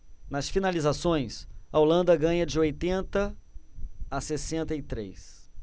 nas finalizações a holanda ganha de oitenta a sessenta e três